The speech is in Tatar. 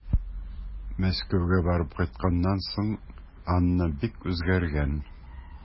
Мәскәүгә барып кайтканнан соң Анна бик үзгәргән.